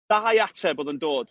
Ddau ateb oedd yn dod.